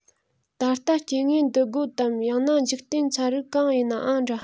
ད ལྟ སྐྱེ དངོས འདུ འགོད དམ ཡང ན འཇིག རྟེན ཚན རིག གང ཡིན ནའང འདྲ